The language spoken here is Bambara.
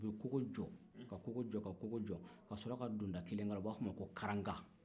u bɛ koko jɔ ka koko jɔ ka sɔrɔ ka donda kelen k'a la u b'a f'o ma ko karanga